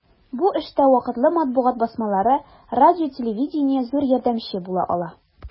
Бу эштә вакытлы матбугат басмалары, радио-телевидение зур ярдәмче була ала.